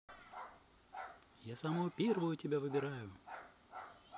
я самую первую тебя выбираю